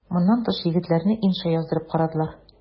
Моннан тыш егетләрне инша яздырып карадылар.